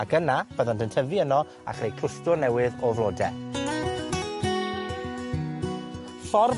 Ac yna, byddant yn tyfu yno, a chreu clwstwr newydd o flode. Ffordd